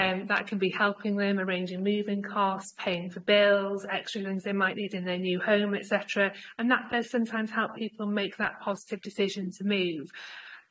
and that can be helping them arranging moving costs paying for bills extra things they might need in their new home et cetera and that does sometimes help people make that positive decision to move,